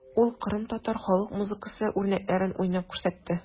Ул кырымтатар халык музыкасы үрнәкләрен уйнап күрсәтте.